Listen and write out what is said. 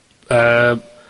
yym,